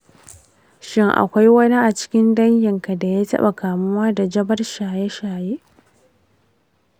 shin akwai wani a cikin danginka da ya taɓa kamuwa da jabar shaye-shaye?